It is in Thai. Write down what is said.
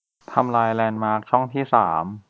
ทำลายแลนด์มาร์คช่องที่สาม